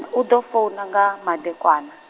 u ḓo founa nga, madekwana.